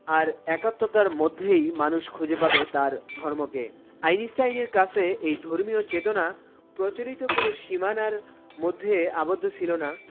আর একাত্মতার মধ্যেই মানুষ খুঁজে পাবে তার ধর্মকে এর কাছে এই ধর্মীয় চেতনার সীমানার মধ্যে আবদ্ধ ছিল না